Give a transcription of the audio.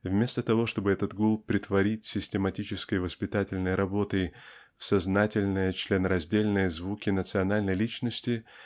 Вместо того чтобы этот гул претворить систематической воспитательной работой в сознательные членораздельные звуки национальной личности